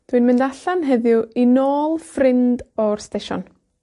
Dwi'n mynd allan heddiw i nôl ffrind o'r stesion.